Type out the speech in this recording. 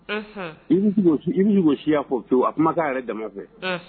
I i bɛ si fɔ pewu o kuma' yɛrɛ dama fɛ